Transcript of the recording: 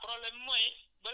boobu amul faj moom